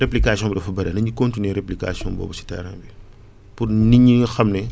réplication bi dafa bëre na ñu continuer réplication boobu si terrain bi pour nit ñi ñu xam ne